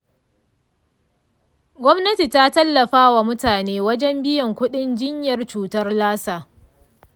gomnati ta tallafawa mutane wajen biyan kudin jinyar cutar lassa.